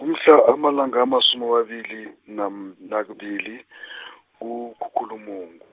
kumhla amalanga amasumi amabili , nam- nakubili , kuKhukhulamungu.